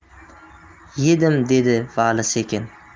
yedim dedi vali sekin